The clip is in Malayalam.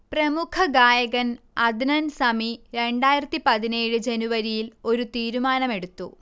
പ്രമുഖഗായകൻ അദ്നൻ സമി രണ്ടായിരത്തി പതിനേഴ് ജനുവരിയിൽ ഒരു തീരുമാനമെടുത്തു